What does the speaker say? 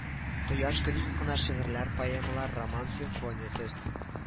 Кояшлы көн хакына шигырьләр поэмалар роман-симфония төз